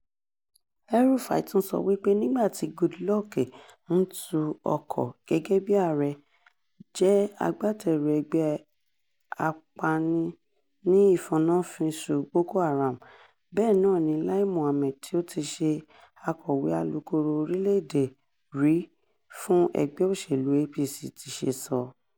El-Rufai tún sọ wípé nígbà tí Goodluck ń tu ọkọ̀ gẹ́gẹ́ bí ààrẹ, jẹ́ agbátẹrù ẹgbẹ́ apani-ní- ìfọnná-finṣu Boko Haram. Bẹ́ẹ̀ náà ni Láí Mohammed tí ó ti ṣe Akọ̀wé Alukoro Orílẹ̀-èdè rí fún ẹgbẹ́ òṣèlú APC ti ṣe sọ.